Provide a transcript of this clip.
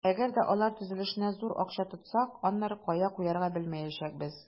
Әгәр дә алар төзелешенә зур акча тотсак, аннары кая куярга белмәячәкбез.